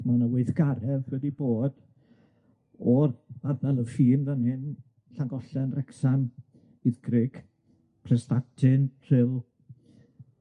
Ma' 'na weithgaredd wedi bod o'r ardal y ffin fan 'yn, Llangollen, Wrecsam, Wyddgrug, Prestatyn, Rhyl.